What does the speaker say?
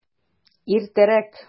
Иртәрәк!